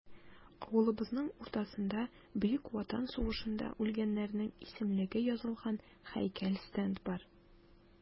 Авылыбызның уртасында Бөек Ватан сугышында үлгәннәрнең исемлеге язылган һәйкәл-стенд бар.